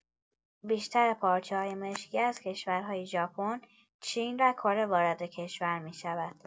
بیشتر پارچه‌های مشکی از کشورهای ژاپن، چین و کره وارد کشور می‌شود.